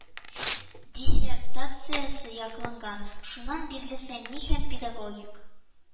Диссертациясе яклаган, шуннан бирле фәнни һәм педагогик